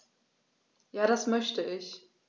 Ja, das möchte ich.